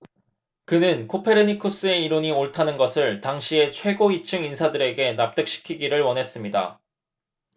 그는 코페르니쿠스의 이론이 옳다는 것을 당시의 최고위층 인사들에게 납득시키기를 원했습니다